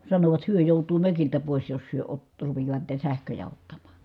sanovat he joutuu mökiltä pois jos he - rupeavat niitä sähköjä ottamaan